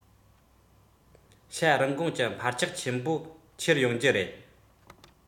ཤ རིན གོང གྱི འཕར ཆག ཆེན པོ ཁྱེར ཡོང རྒྱུ རེད